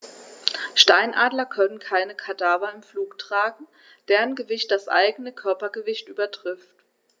Steinadler können keine Kadaver im Flug tragen, deren Gewicht das eigene Körpergewicht übertrifft.